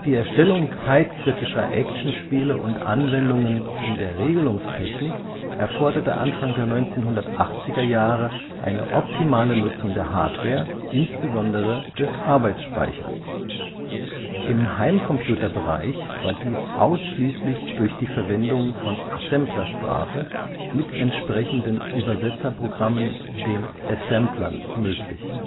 Erstellung zeitkritischer Actionspiele und Anwendungen in der Regelungstechnik erforderte Anfang der 1980er Jahre eine optimale Nutzung der Hardware insbesondere des Arbeitsspeichers. Im Heimcomputerbereich war dies ausschließlich durch die Verwendung von Assemblersprache mit entsprechenden Übersetzerprogrammen, den Assemblern, möglich